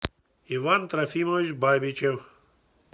иван трофимович бабичев